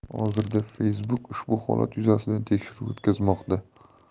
hozirda facebook ushbu holat yuzasidan tekshiruv o'tkazmoqda